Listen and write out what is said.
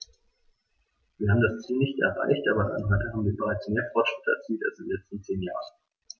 Wir haben das Ziel nicht erreicht, aber allein heute haben wir bereits mehr Fortschritte erzielt als in den letzten zehn Jahren.